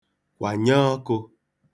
kwànye ọkụ̄